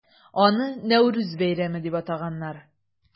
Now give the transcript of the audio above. Аны Нәүрүз бәйрәме дип атаганнар.